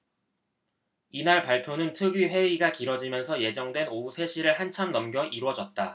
이날 발표는 특위 회의가 길어지면서 예정된 오후 세 시를 한참 넘겨 이뤄졌다